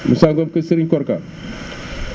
Moussa Ngom kër serigne Korka